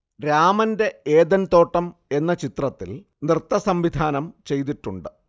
രാമന്റെ ഏദൻതോട്ടം എന്ന ചിത്രത്തിൽ നൃത്തസംവിധാനം ചെയ്തിട്ടുണ്ട്